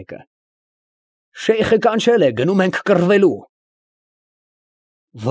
Մեկը, ֊ Շեյխը կանչել է։ Գնում ենք կռվելու։ ֊